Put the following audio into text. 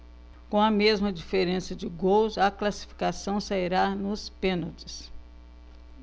com a mesma diferença de gols a classificação sairá nos pênaltis